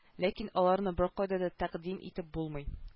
Ләкин аларны беркайда да тәкъдим итеп булмый